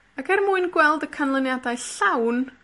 Ac er mwyn gweld y canlyniadau llawn,